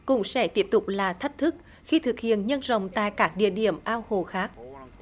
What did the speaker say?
cũng sẽ tiếp tục là thách thức khi thực hiện nhân rộng tại các địa điểm ao hồ khác